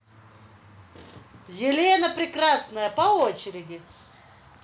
елена прекрасная по очереди